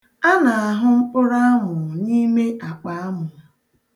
A na-ahụ mkpụrụamụ n'ime akpaamụ.